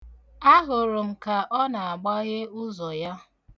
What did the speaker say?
Ahụrụ ka ọ na-agbaghe ụzọ ya.